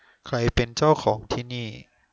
ใครเป็นเจ้าของที่นี่